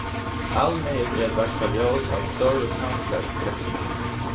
alneyðugt er at varpa ljós á stóru samfelagskreppuna